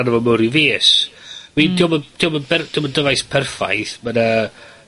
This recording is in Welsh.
yn fo mewn ryw fis. Wi... Hmm. ...'di o'm yn, 'di o'm yn ber- 'di o'm yn dyfais perffaith, ma' 'na